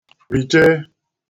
rìchee